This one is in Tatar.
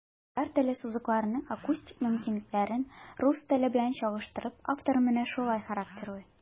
Татар теле сузыкларының акустик мөмкинлекләрен, рус теле белән чагыштырып, автор менә шулай характерлый.